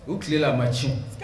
U tilela a ma tiɲɛ.